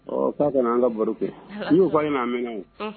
Ɔ k'a ka anan ka baro kɛ n y'o fɔ'an mɛn o